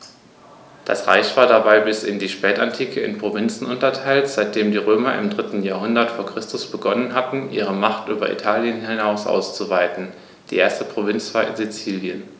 Das Reich war dabei bis in die Spätantike in Provinzen unterteilt, seitdem die Römer im 3. Jahrhundert vor Christus begonnen hatten, ihre Macht über Italien hinaus auszuweiten (die erste Provinz war Sizilien).